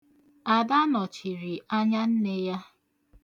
Ada nọchiri anya nne ya.